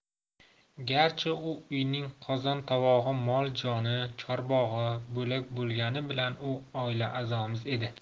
garchi u uyning qozon tovog'i mol joni chorbog'i bo'lak bo'lgani bilan u oila a'zomiz edi